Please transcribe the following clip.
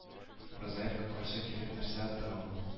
Уразаевка каршы килеп нәрсә ота ул